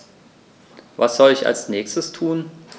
Was soll ich als Nächstes tun?